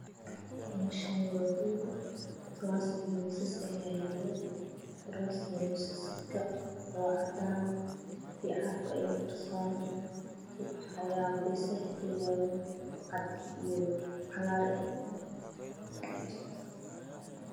Meeshani waa guri kuraas iyo miisas ayaa yaalo kuraasta iyo miisasku waa cadaan ubax ayaa geesaha kayaalo oo cagaar ah